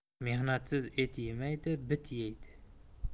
mehnatsiz et yemaydi bit yeydi